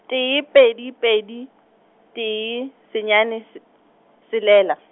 tee pedi pedi, tee, senyane, se, tshelela.